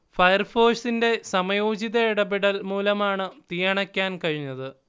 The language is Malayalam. ഫയർഫോഴ്സിന്റെ സമയോചിത ഇടപെടൽ മൂലമാണ് തീയണക്കാൻ കഴിഞ്ഞത്